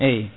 eyyi